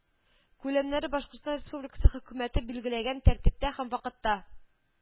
Күләмнәре башкортстан республикасы хөкүмәте билгеләгән тәртиптә һәм вакытта